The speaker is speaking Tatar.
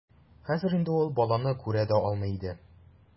Хәзер инде ул баланы күрә дә алмый иде.